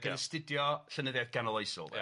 ac yn astudio llenyddiaeth ganol oesol... Ia...